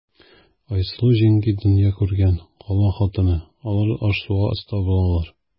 Айсылу җиңги дөнья күргән, кала хатыны, алар аш-суга оста булалар.